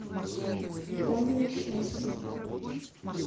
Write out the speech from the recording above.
танино счастье